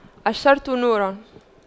الشرط نور